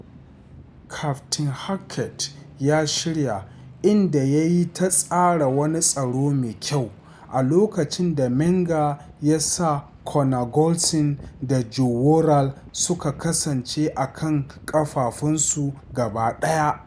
Kaftin Halkett ya shirya, inda ya yi ta tsara wani tsaro mai kyau, a lokacin da Menga ya sa Connor Goldson da Joe Worrall suka kasance a kan ƙafafunsu gaba ɗaya.